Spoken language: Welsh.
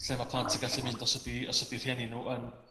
lle ma' plant yn gallu mynd os ydi os ydi rhieni n'w yn